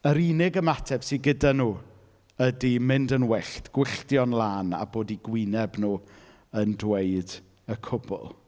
Yr unig ymateb sy' gyda nhw ydi mynd yn wyllt, gwylltio'n lân a bod eu gwyneb nhw yn dweud y cwbl.